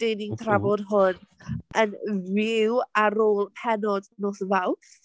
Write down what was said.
Dan ni'n trafod hwn yn fyw ar ôl pennod nos Fawrth.